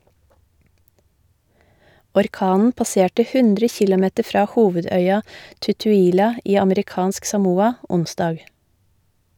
Orkanen passerte 100 kilometer fra hovedøya Tutuila i Amerikansk Samoa onsdag.